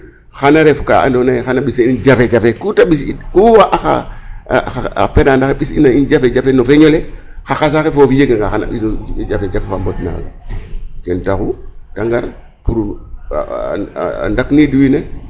Xan a ref ka andoona yee xan a ɓis a in jafe jafe ku ta ɓis ku axa a penan axe ɓis'ina in no jafe jafe no feñ ole xa qas axe foofi njeganga xan a ɓisiid jafe jafe fo mbod naaga ten taxu ta ngar pour a a ndakniid wiin we.